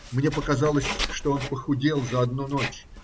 Мне показалось, что он похудел за одну ночь